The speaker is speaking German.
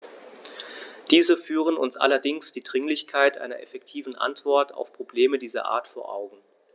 Diese führen uns allerdings die Dringlichkeit einer effektiven Antwort auf Probleme dieser Art vor Augen.